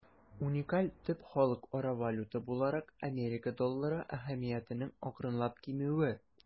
Уникаль төп халыкара валюта буларак Америка доллары әһәмиятенең акрынлап кимүе.